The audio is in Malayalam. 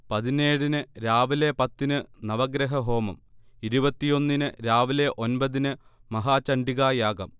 പതിനേഴിന് രാവിലെ പത്തിന് നവഗ്രഹഹോമം, ഇരുപത്തിയൊന്നിന് രാവിലെ ഒൻപതിന് മഹാചണ്ഡികായാഗം